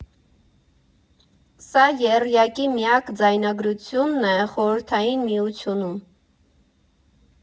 Սա եռյակի միակ ձայնագրությունն է Խորհրդային Միությունում.